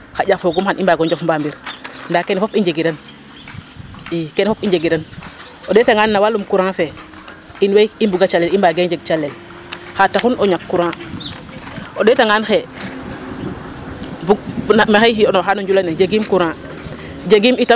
Ndaa kene fop i njegiran ii, kene fop i njegiran o ɗeetangaan no walum courant fe in wey i mbuga calel i mbaage njeg calel xar taxun o ñak courant o ɗwetangaan xay maxey yo'nooxaa na njula ne jegim courant jegim itam.